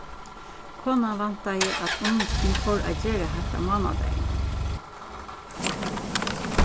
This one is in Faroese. konan væntaði at unnustin fór at gera hatta mánadagin